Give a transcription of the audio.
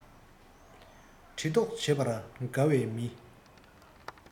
འདྲི རྟོགས བྱེད པར དགའ བའི མི